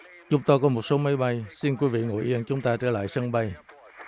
chúng tôi có một số máy bay xin quý vị ngồi yên chúng ta trở lại sân bay